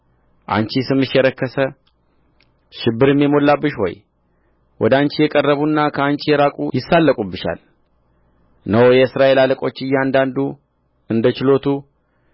አንቺ ስምሽ የረከሰ ሽብርም የሞላብሽ ሆይ ወደ አንቺ የቀረቡና ከአንቺ የራቁ ይሳለቁብሻል እነሆ የእስራኤል አለቆች እያንዳንዱ እንደ ችሎቱ